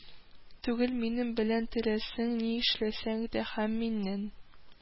Түгел, минем белән теләсәң ни эшләсәң дә һәм миннән